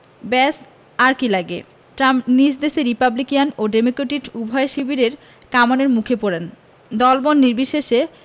ব্যস আর কী লাগে ট্রাম্প নিজ দেশে রিপাবলিকান ও ডেমোক্রেটিক উভয় শিবিরের কামানের মুখে পড়েন দলবল নির্বিশেষে